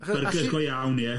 Byrgers go iawn ie.